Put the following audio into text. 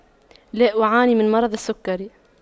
لا أعاني من مرض السكري